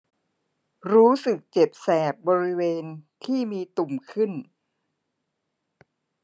รู้สึกเจ็บแสบบริเวณที่มีตุ่มขึ้น